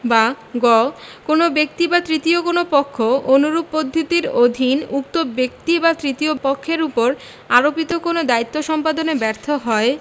বা গ কোন ব্যীক্ত বা তৃতীয় কোন পক্ষ অনুরূপ পদ্ধতির অধীন উক্ত ব্যক্তি বা তৃতীয় পক্ষের উপর আরোপিত কোন দায়িত্ব সম্পাদনে ব্যর্থ হয়